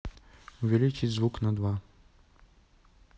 увеличить звук на два